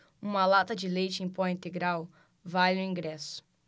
uma lata de leite em pó integral vale um ingresso